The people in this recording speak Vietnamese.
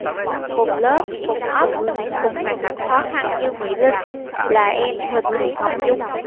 cùng lớp cùng ấp cùng hoàn cảnh khó khăn như mỹ linh là em huỳnh thị ngọc dung